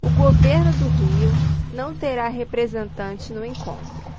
o governo do rio não terá representante no encontro